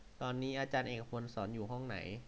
ตอนนี้อาจารย์เอกพลสอนอยู่ห้องไหน